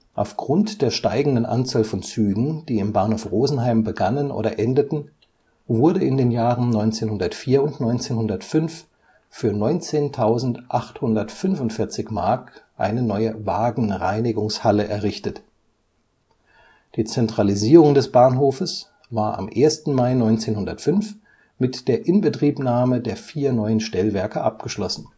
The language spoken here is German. Aufgrund der steigenden Anzahl von Zügen, die im Bahnhof Rosenheim begannen oder endeten, wurde in den Jahren 1904 und 1905 für 19.845 Mark eine neue Wagenreinigungshalle errichtet. Die Zentralisierung des Bahnhofes war am 1. Mai 1905 mit der Inbetriebnahme der vier neuen Stellwerke abgeschlossen